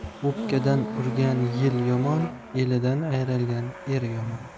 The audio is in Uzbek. o'pkadan urgan yel yomon elidan ayrilgan er yomon